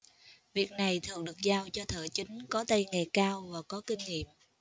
việc này thường được giao cho thợ chính có tay nghề cao và có kinh nghiệm